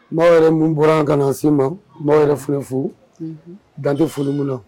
Maaw yɛrɛ min bɔra ka na se ma maaw yɛrɛ f filɛ fo danto foli minnu na